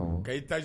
Ka i taa